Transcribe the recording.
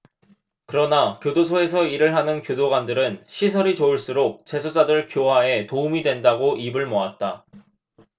그러나 교도소에서 일을 하는 교도관들은 시설이 좋을수록 재소자들 교화에 도움이 된다고 입을 모았다